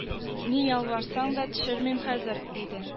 Ни ялварсаң да төшермим хәзер! — диде.